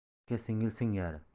aka singil singari